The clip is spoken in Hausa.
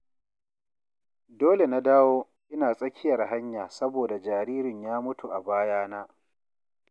'Dole na dawo ina tsakiyar hanya saboda jaririn ya mutu a bayana''.